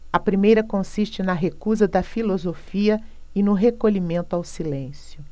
a primeira consiste na recusa da filosofia e no recolhimento ao silêncio